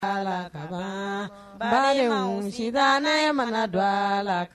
Ala batan ne mana dɔgɔ la